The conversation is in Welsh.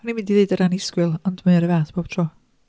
O'n i'n mynd i ddeud yr annisgwyl ond mae o'r un fath bob tro.